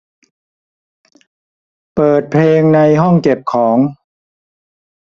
เปิดเพลงในห้องเก็บของ